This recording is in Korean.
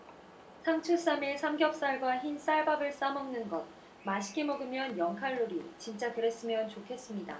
상추쌈에 삼겹살과 흰쌀밥을 싸먹는 것 맛있게 먹으면 영 칼로리 진짜 그랬으면 좋겠습니다